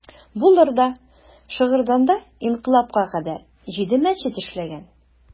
Булыр да, Шыгырданда инкыйлабка кадәр җиде мәчет эшләгән.